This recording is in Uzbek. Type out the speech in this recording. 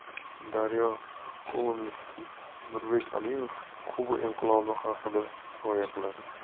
daryo kolumnisti nurbek alimov kuba inqilobi haqida hikoya qiladi